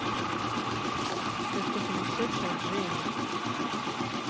ты что сумасшедшая джейн